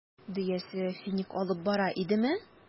Дөясе финик алып бара идеме?